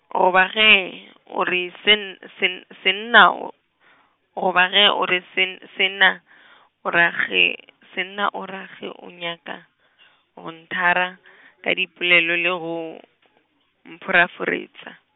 goba gee, o re sen- sen- senna go- , goba gee gore sen- senna , o ra ge, senna o ra ge o nyaka , go nthera, ka dipolelo le go, mphoraforetša.